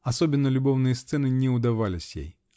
особенно любовные сцены не удавались ей